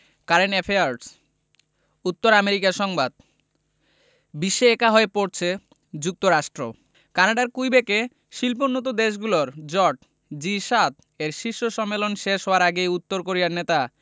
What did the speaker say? current affairs উত্তর America সংবাদ বিশ্বে একা হয়ে পড়ছে যুক্তরাষ্ট্র কানাডার কুইবেকে শিল্পোন্নত দেশগুলোর জোট জি ৭ এর শীর্ষ সম্মেলন শেষ হওয়ার আগেই উত্তর কোরিয়ার নেতা